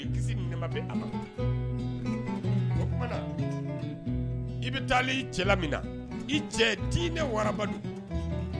Kisi ni nɛma bɛ a ma, o tuma na, i bɛ taa i cɛla min na, i cɛ diinɛ waraba don